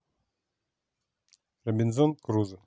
робинзон крузо